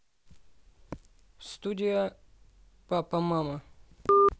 а'studio папа мама